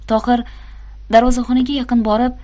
tohir darvozaxonaga yaqin borib